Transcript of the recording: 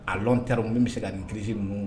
A dɔn ta n min bɛ se ka nin kisi mun